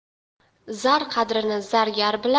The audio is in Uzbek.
zar qadrini zargar